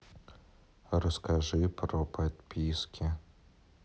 расскажи про подписки